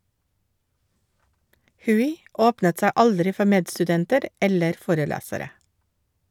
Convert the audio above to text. Hui åpnet seg aldri for medstudenter eller forelesere.